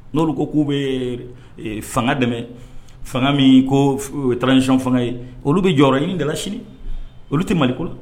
N'oolu ko k'u bɛ fanga dɛmɛ fanga min ko taaracɔn fanga ye olu bɛ jɔyɔrɔ ɲini dalala sini olu tɛ mali kolo